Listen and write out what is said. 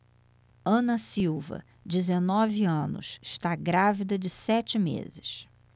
ana silva dezenove anos está grávida de sete meses